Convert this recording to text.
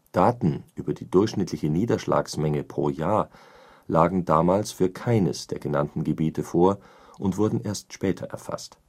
Daten über die durchschnittliche Niederschlagsmenge pro Jahr lagen damals für keines der genannten Gebiete vor und wurden erst später erfasst